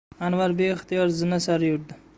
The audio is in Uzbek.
anvar beixtiyor zina sari yurdi